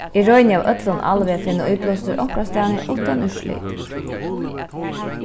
eg royni av øllum alvi at finna íblástur onkrastaðni uttan úrslit